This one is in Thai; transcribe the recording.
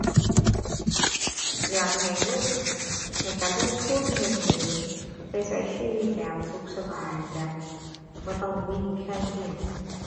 อยากให้ลง ให้การลงทุน เฮ็ดให้ ได้ใช้ชีวิตแบบสุขสบาย แบบบ่ต้องวิ่งแข่งอิหยัง